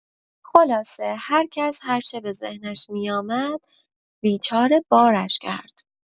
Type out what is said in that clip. خلاصه هرکس هرچه به ذهنش می‌آمد لیچار بارش کرد.